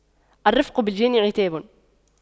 الرفق بالجاني عتاب